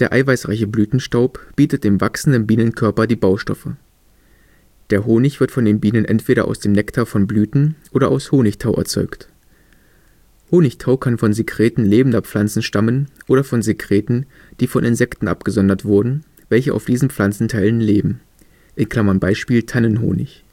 eiweißreiche Blütenstaub bietet dem wachsenden Bienenkörper die Baustoffe. Der Honig wird von den Bienen entweder aus dem Nektar von Blüten oder aus Honigtau erzeugt. Honigtau kann von Sekreten lebender Pflanzen stammen oder von Sekreten, die von Insekten abgesondert wurden, welche auf diesen Pflanzenteilen leben (Beispiel: Tannenhonig